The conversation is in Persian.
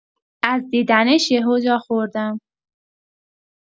از دیدنش یهو جا خوردم.